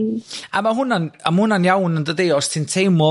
Mm a ma' hwna'n a ma' hwna'n iawn yn dydi? Os ti'n teimlo